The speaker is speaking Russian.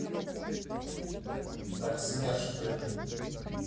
так смерш крым